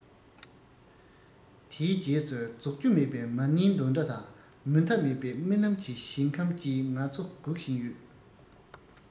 དེའི རྗེས སུ རྫོགས རྒྱུ མེད པའི མ ཎིའི འདོན སྒྲ དང མུ མཐའ མེད པའི རྨི ལམ གྱི ཞིང ཁམས ཀྱིས ང ཚོ སྒུག བཞིན ཡོད